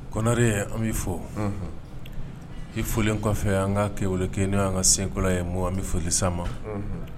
Kɔnre an'i fɔ i folilen kɔfɛ an ka ke o kɛ' ka senkɔrɔ ye mɔgɔ an bɛ foli sa ma